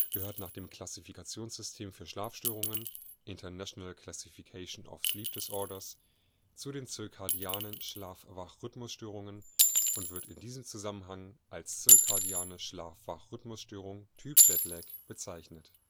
gehört nach dem Klassifikationssystem für Schlafstörungen „ International Classification of Sleep Disorders “(ICSD-2) zu den Zirkadianen Schlaf-Wach-Rhythmusstörungen und wird in diesem Zusammenhang als „ Zirkadiane Schlaf-Wach-Rhythmusstörung, Typ Jetlag “bezeichnet